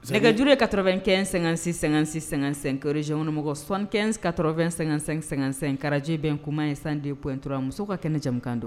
Nɛgɛkaj kakɛ--sɛ--sɛ zeonmɔgɔ san kɛnka2---sɛkarajɛ bɛ kuma in san dep intura musow ka kɛnɛ jamanakan don